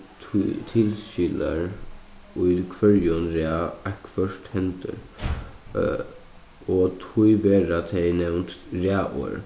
tilskilar í hvørjum rað eitthvørt hendir og tí verða tey nevnd raðorð